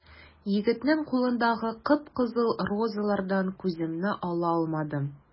Егетнең кулындагы кып-кызыл розалардан күземне ала алмадым.